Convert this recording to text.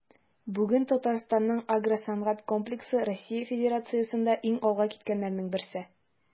Бүген Татарстанның агросәнәгать комплексы Россия Федерациясендә иң алга киткәннәрнең берсе.